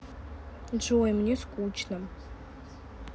джой мне скучно